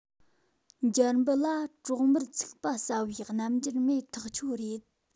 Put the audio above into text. འབྱར འབུ ལ གྲོག མར ཚིག པ ཟ བའི རྣམ འགྱུར མེད ཐག ཆོད རེད